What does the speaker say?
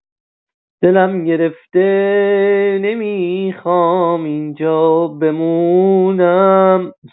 دلم گرفته نمی‌خوام اینجا بمونم